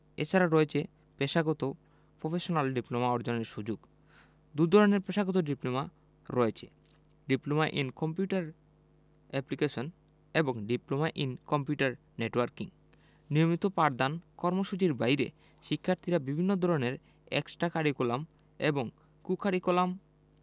এছাড়া রয়েছে পেশাগত পফেশনাল ডিপ্লোমা অর্জনের সুযোগ দুধরনের পেশাগত ডিপ্লোমা রয়েছে ডিপ্লোমা ইন কম্পিউটার অ্যাপ্লিকেশন এবং ডিপ্লোমা ইন কম্পিউটার নেটওয়ার্কিং নিয়মিত পাঠদান কর্মসূচির বাইরে শিক্ষার্থীরা বিভিন্ন ধরনের এক্সটা কারিকুলাম এবং কো কারিকুলাম